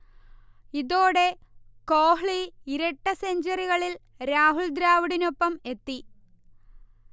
ഇതോടെ കോഹ്ലി ഇരട്ട സെഞ്ചുറികളിൽ രാഹുൽ ദ്രാവിഡിനൊപ്പം എത്തി